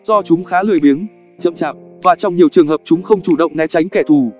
do chúng khá lười biếng chậm chạp và trong nhiều trường hợp chúng không chủ động né tránh kẻ thù